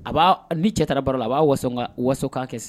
A b'a ni cɛ taara bara baara la a b'a waso waso' kɛ